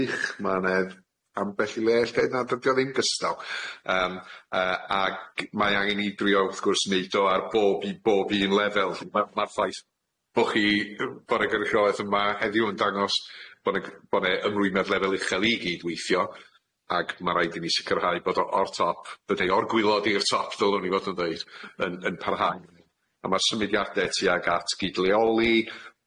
Ma 'ne ambell i le 'llu deud na dydi o ddim gystal yym yy ag mae angen i ni drio wrth gwrs neud o ar bob i bob un lefel, ma' ma'r ffaith bo' chi bo' 'na gynrychiolaeth yma heddiw yn dangos bo 'na g- bo 'ne ymrwymedd lefel uchel i gydweithio ag ma' raid i ni sicrhau bod o o'r top, bydde o'r gwaelod i'r top dylwn i fod yn ddeud, yn yn parhau a ma'r symudiade tuag at gydleoli.